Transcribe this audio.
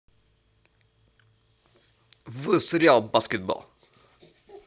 vs real basketball